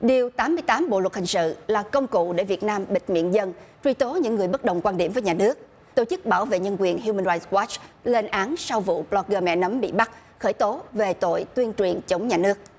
điều tám mươi tám bộ luật hình sự là công cụ để việt nam bịt miệng dân truy tố những người bất đồng quan điểm với nhà nước tổ chức bảo vệ nhân quyền hiu mừn roai goắt lên án sau vụ bờ lóc gơ mẹ nấm bị bắt khởi tố về tội tuyên truyền chống nhà nước